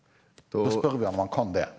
da spør vi han om han kan det.